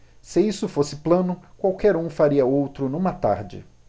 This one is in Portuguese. se isso fosse plano qualquer um faria outro numa tarde